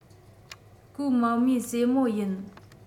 ཀུའོ མའེ མའེ སྲས མོ ཡིན